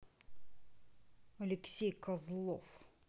алексей козлов